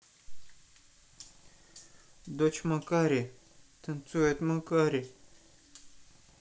дочь макаре танцует макаре